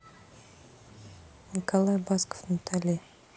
николай басков натали